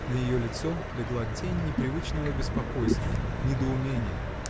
На ее лицо легла тень непривычного беспокойства, недоумения.